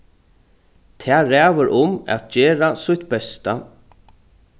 tað ræður um at gera sítt besta